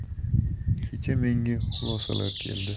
kecha menga xulosalar keldi